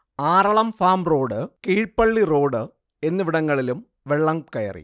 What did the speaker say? Aralam farm road Keezhpally road എന്നിവിടങ്ങളിലും വെള്ളം കയറി